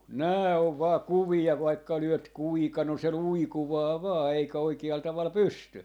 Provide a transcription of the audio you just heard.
nämä on vain kuvia vaikka lyöt kuinka no se luikuaa vain eikä oikealla tavalla pysty